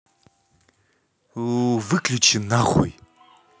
у выключи на хуй